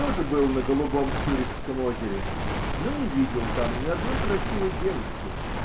) Я тоже был "на голубом цюрихском озере", но не видел там ни одной красивой девушки.